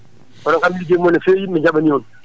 kono kam mijomon ne feewi mi jaɓanii on